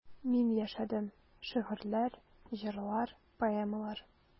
Мин яшәдем: шигырьләр, җырлар, поэмалар.